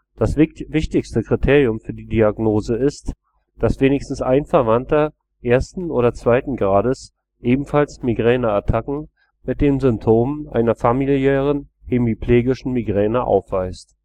Das wichtigste Kriterium für die Diagnose ist, dass wenigstens ein Verwandter ersten oder zweiten Grades ebenfalls Migräneattacken mit den Symptomen einer familiären hemiplegischen Migräne aufweist